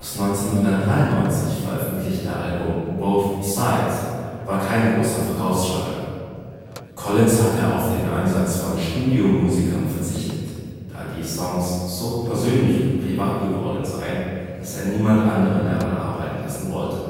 1993 veröffentlichte Album Both Sides war kein großer Verkaufsschlager. Collins hatte auf den Einsatz von Studiomusikern verzichtet, da die Songs „ so persönlich und privat geworden sind, dass ich niemand anderen daran arbeiten lassen wollte